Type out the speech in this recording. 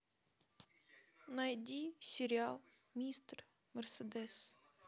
найди сериал мистер мерседес